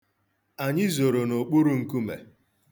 Anyị zoro n'okpuru nkume.